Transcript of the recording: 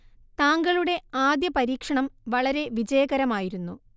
താങ്കളുടെ ആദ്യ പരീക്ഷണം വളരെ വിജയകരമായിരുന്നു